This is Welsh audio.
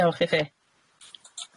Diolch i chi.